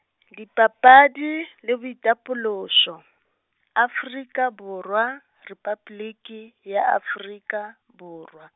Dipapadi le Boitapološo, Afrika Borwa, Repabliki, ya Afrika Borwa.